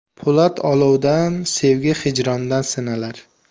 po'lat olovda sevgi hijronda sinalar